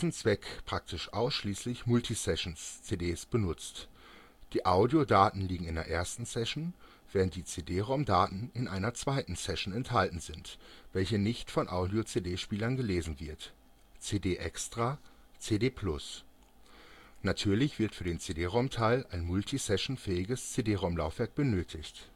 Zwecke praktisch ausschließlich Multisession-CDs benutzt – die Audio-Daten liegen in der ersten Session, während die CD-ROM-Daten in einer zweiten Session enthalten sind, welche nicht von Audio-CD-Spielern gelesen wird (CD-Extra, CD-Plus). Natürlich wird für den CD-ROM-Teil ein multisession-fähiges CD-ROM-Laufwerk benötigt